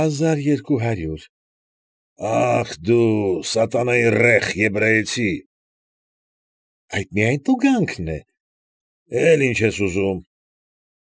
Հազար երկու հարյուր։ ֊ Ա՜խ, դու սատանայի ռեխ եբրայեցի։ ֊ Այդ միայն տուգանքն է։ ֊ Էլ ի՞նչ ես ուզում։ ֊